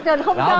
trình không cho